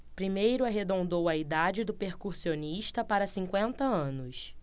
primeiro arredondou a idade do percussionista para cinquenta anos